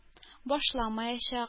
Башламаячак